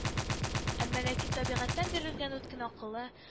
Әмма ләкин табигатьтән бирелгән үткен акылы